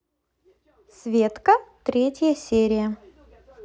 светка третья серия